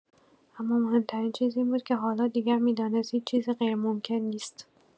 اما مهم‌ترین چیز این بود که حالا دیگر می‌دانست هیچ چیزی غیرممکن نیست.